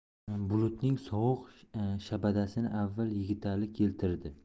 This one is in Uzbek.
bulutning sovuq shabadasini avval yigitali keltirdi